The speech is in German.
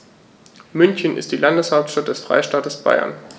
München ist die Landeshauptstadt des Freistaates Bayern.